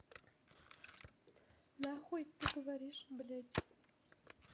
нахуй ты говоришь блять